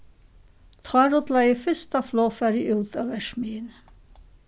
tá rullaði fyrsta flogfarið út av verksmiðjuni